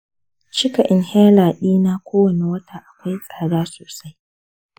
cika inhaler dina kowane wata akwai tsada sosai.